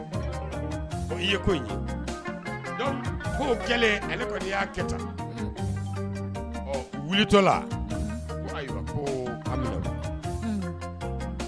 I ye ko in ye donc kow kɛlen ale kɔni y'a kɛ tan ɔ u wulitɔ la ko ayiwa ko kamalen